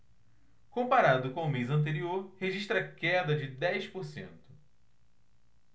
comparado com o mês anterior registra queda de dez por cento